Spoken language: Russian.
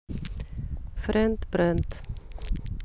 fried бренд